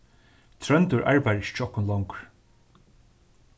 tróndur arbeiðir ikki hjá okkum longur